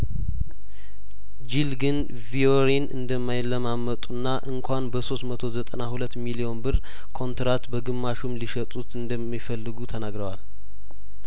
ጂል ግን ቪዬሪን እንደማይለማመጡና እንኳን በሶስት መቶ ዘጠና ሁለት ሚሊዮን ብር ኮንትራት በግማሹም ሊሸጡት እንደሚፈልጉ ተናግረዋል